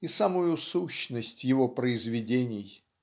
и самую сущность его произведений.